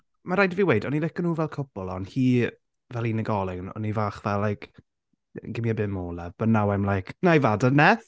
Mae'n rhaid i fi weud o'n i'n licio nhw fel cwpl ond hi fel unigolyn o'n i'n fach fel like gimme a bit more love. But now I'm like, I've had enough.